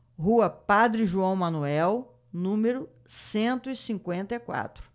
rua padre joão manuel número cento e cinquenta e quatro